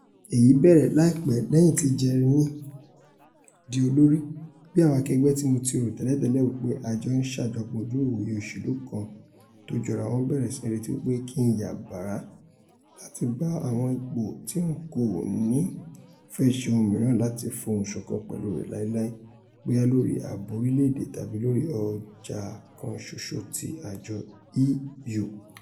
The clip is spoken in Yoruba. Èyí bẹ̀rẹ̀ láìpẹ́ lẹ́yìn tí Jeremy di olórí, bí àwọn akẹgbẹ́ tí Mo ti rò tẹ́lẹ̀tẹ́lẹ̀ wí pé a jọ ńṣàjọpín ojú-ìwòye òṣèlú kan tójọrawọn bẹ̀rèsí rétí wí pé kí ńyà bàrà láti gba àwọn ipò tí N kòní fẹ́ ṣe ohun mìíràn láti fohùnṣọ̀kan pẹ̀lú rẹ̀ láilái - bóyá lórí ààbò orílẹ̀-èdè tàbí lórí ọjà kan ṣoṣo ti àjọ EU.